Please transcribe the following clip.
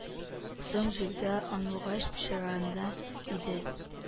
Соң җирдә аунагач пычрана иде